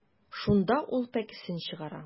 Шунда ул пәкесен чыгара.